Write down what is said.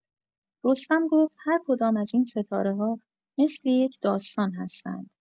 رستم گفت: «هرکدام از این ستاره‌ها مثل یک داستان هستند.»